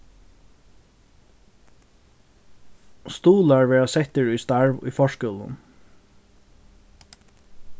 stuðlar verða settir í starv í forskúlum